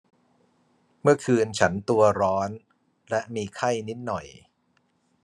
เมื่อคืนฉันตัวร้อนและมีไข้นิดหน่อย